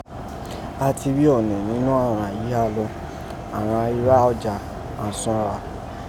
A ti rí Ọọ̀nì nínọ́ àghan yìí há lọ, àghan irá ọjà, án sọ́nra